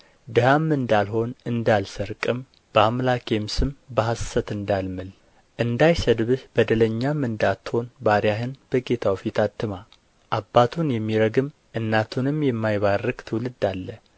ድሀም እንዳልሆን እንዳልሰርቅም በአምላኬም ስም በሐሰት እንዳልምል እንዳይሰድብህ በደለኛም እንዳትሆን ባሪያን በጌታው ፊት አትማ አባቱን የሚረግም እናቱንም የማይባርክ ትውልድ አለ